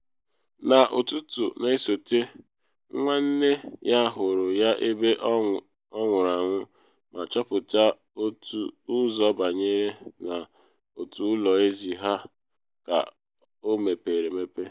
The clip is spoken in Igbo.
N’ụtụtụ na esote, nwa nwanne ya hụrụ ya ebe ọ nwụrụ anwụ, ma chọpụta otu ụzọ banyere n’otu ụlọ ezi ka ọ mepere emepe.